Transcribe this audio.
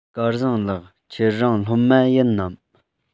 སྐལ བཟང ལགས ཁྱེད རང སློབ མ ཡིན ནམ